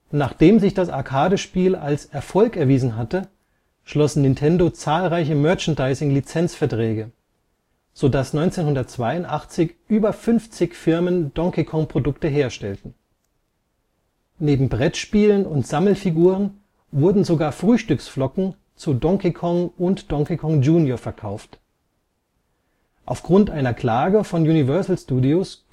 Nachdem sich das Arcade-Spiel als Erfolg erwiesen hatte, schloss Nintendo zahlreiche Merchandising-Lizenzverträge, so dass 1982 über 50 Firmen Donkey-Kong-Produkte herstellten. Neben Brettspielen und Sammelfiguren wurden sogar Frühstücksflocken zu Donkey Kong und Donkey Kong Jr. verkauft. Aufgrund einer Klage von Universal Studios